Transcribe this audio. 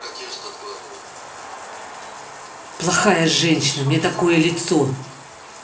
плохая женщина мне такое лицо